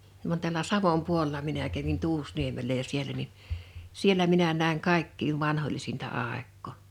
vaan tällä Savon puolella minä kävin Tuusniemellä ja siellä niin siellä minä näin kaikkein vanhoillisinta aikaa